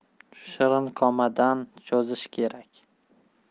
shirinkomadan cho'zish kerak